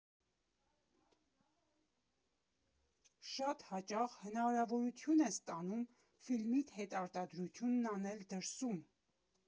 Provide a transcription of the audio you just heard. Շատ հաճախ հնարավորություն ես ստանում ֆիլմիդ հետարտադրությունն անել դրսում։